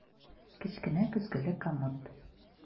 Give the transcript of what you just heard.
Кечкенә көзгеле комод.